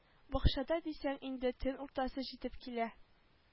Бакчада дисәң инде төн уртасы җитеп килә